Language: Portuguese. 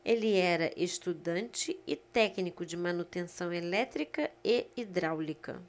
ele era estudante e técnico de manutenção elétrica e hidráulica